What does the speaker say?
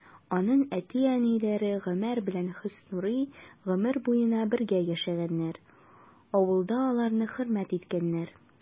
Аның әти-әниләре Гомәр белән Хөснурый гомер буена бергә яшәгәннәр, авылда аларны хөрмәт иткәннәр.